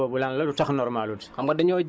normal lul boobu lan la lu tax normal lul